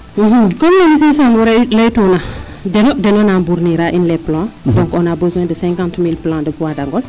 i comme monsieur Senghor a ley tuuna deno deno naa fournir a in les plan danc on a de cinquante mille plante des poids Dangol